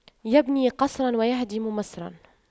يبني قصراً ويهدم مصراً